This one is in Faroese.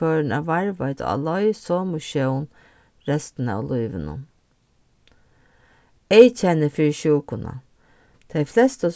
førum at varðveita á leið somu sjón restina av lívinum eyðkenni fyri sjúkuna tey flestu